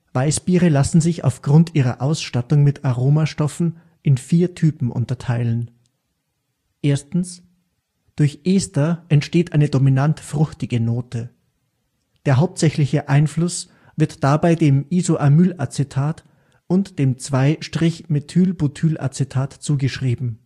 Weißbiere lassen sich aufgrund ihrer Ausstattung mit Aromastoffen in vier Typen unterteilen: Durch Ester entsteht eine dominant fruchtige Note. Der hauptsächliche Einfluss wird dabei dem Isoamylacetat (Banane) und dem 2-Methylbutylacetat zugeschrieben